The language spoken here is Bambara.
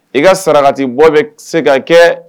I ka sarakati bɔ bɛ se ka kɛ